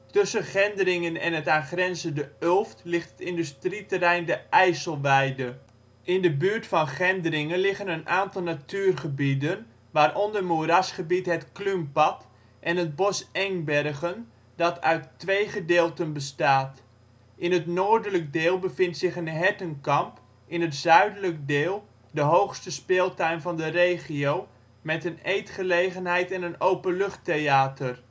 Tussen Gendringen en het aangrenzende Ulft ligt het industrieterrein " De IJsselweide ". In de buurt van Gendringen liggen een aantal natuurgebieden, waaronder moerasgebied " Het Kluunpand " en het bos " Engbergen ", dat uit tweede gedeelten bestaat. In het noordelijke deel bevindt zich een hertenkamp, in het zuidelijke deel de hoogste speeltuin van de regio met een eetgelegenheid en een openluchttheater